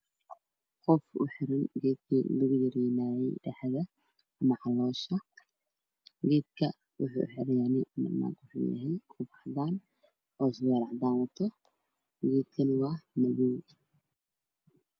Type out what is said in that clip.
Waa soonka lagu xirto dhabarka qof ayaa ku xirtay dhabarka kanarkiisa soonka waa madow qofka midabkiis waa cadaan background wacdaan